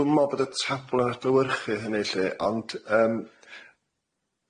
d- dwi'm yn me'wl bod y tablo yn adlewyrchu hynny lly ond yym,